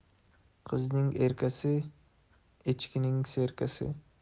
qizning erkasi echkining serkasi